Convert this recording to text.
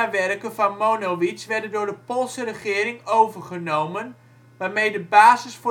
Werke van Monowitz werden door de Poolse regering overgenomen, waarmee de basis